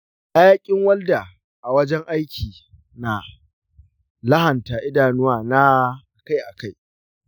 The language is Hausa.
hayaƙin walda a wajen aiki na lahanta idanuwa na akai-akai.